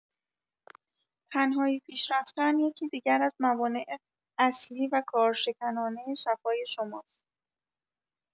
تنهایی پیش‌رفتن یکی دیگر از موانع اصلی و کارشکنانه شفای شماست.